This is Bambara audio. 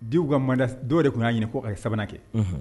Di kada dɔw de tun y'a ɲini k ka kɛ sabanan kɛ